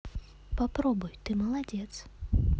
попробуй ты молодец